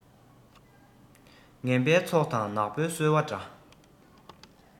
ངན པའི ཚོགས དང ནག པོའི སོལ བ འདྲ